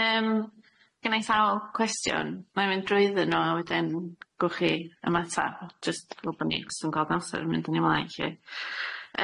Yym gennai sawl cwestiwn, mae'n mynd drwyddo nw a wedyn gywch chi yym ateb jyst fel bo' ni jyst yn ca'l amser yn mynd yn ymlaen lly.